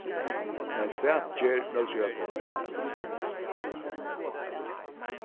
men hvat ger nólsoyar páll